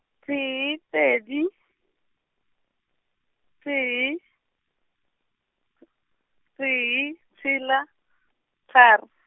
tee pedi, tee , tee, tshela, tharo .